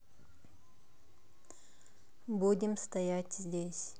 будем стоять здесь